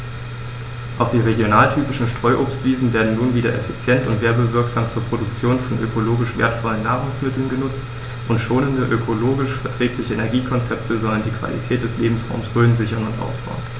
Auch die regionaltypischen Streuobstwiesen werden nun wieder effizient und werbewirksam zur Produktion von ökologisch wertvollen Nahrungsmitteln genutzt, und schonende, ökologisch verträgliche Energiekonzepte sollen die Qualität des Lebensraumes Rhön sichern und ausbauen.